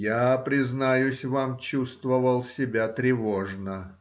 я, признаюсь вам, чувствовал себя тревожно.